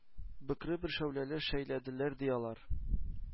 Бөкре бер шәүләне шәйләделәр, ди, алар.